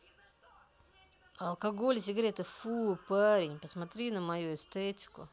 алкоголь и сигареты фу парень посмотри на мою эстетику